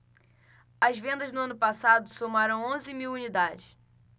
as vendas no ano passado somaram onze mil unidades